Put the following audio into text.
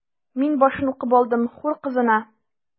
Мин башын укып алдым: “Хур кызына”.